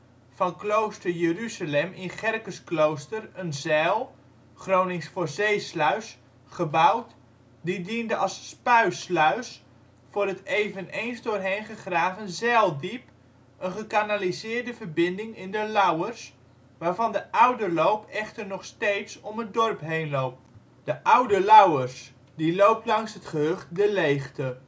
klooster Jeruzalem in Gerkesklooster een zijl (Gronings voor zeesluis) gebouwd, die diende als spuisluis voor het eveneens door hen gegraven Zijldiep, een gekanaliseerde verbinding in de Lauwers, waarvan de oude loop echter nog steeds om het dorp heenloopt; de ' Oude Lauwers ', die loopt langs het gehucht (De) Leegte